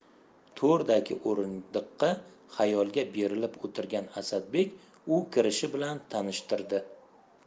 to'rdagi o'rindiqda xayolga berilib o'tirgan asadbek u kirishi bilan tanishtirdi